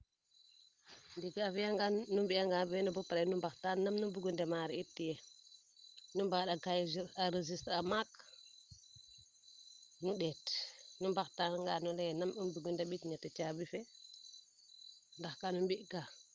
ɗiki a fiya ŋan nu ɓiya ŋan mene boo pare nu ɓaxtan nam nu ɓugu demarer tiye nu ɓaɗa cahier a régiste a mak nu ɗet nu ɓaxtana naŋaa nu ley nam i mbungu ñeti caabi fee ndax kan mbi kaa